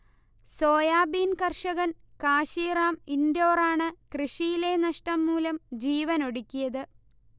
soybean കർഷകൻ കാശീറാം ഇൻഡോറാണ് കൃഷിയിലെ നഷ്ടം മൂലം ജീവനൊടുക്കിയത്